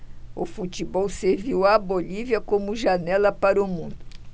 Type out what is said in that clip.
o futebol serviu à bolívia como janela para o mundo